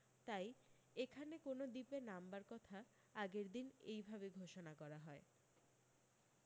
তাই এখানে কোনও দ্বীপে নামবার কথা আগের দিন এইভাবে ঘোষণা করা হয়